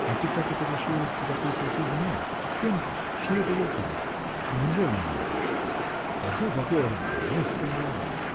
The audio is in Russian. А ты как это решилась по такой крутизне? С кем ты? Чьи это лошади? Нельзя ли меня довезти? — Прошу покорно, места много.